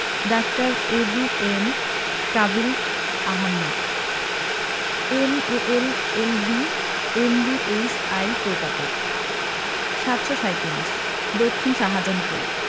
ডাঃ A B M Kabil Ahmad M A L L B M B H I Kolkata ৭৩৭ দক্ষিন শাহাজানপুর